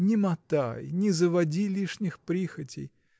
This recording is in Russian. Не мотай, не заводи лишних прихотей.